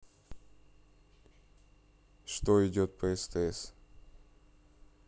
что идет по стс